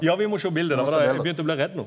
ja vi må sjå bilde det var det eg begynte å bli redd no.